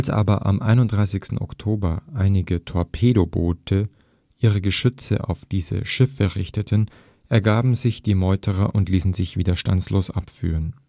aber am 31. Oktober einige Torpedoboote ihre Geschütze auf diese Schiffe richteten, ergaben sich die Meuterer und ließen sich widerstandslos abführen